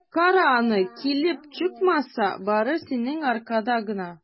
Кара аны, килеп чыкмаса, бары синең аркада гына!